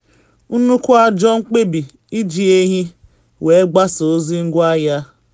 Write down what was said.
“Nnukwu ajọ mkpebi iji ehi wee gbasaa ozi ngwaahịa a.